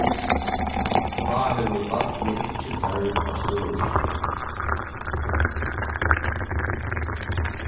tá hevur barnið ikki tørv á stuðulshjólum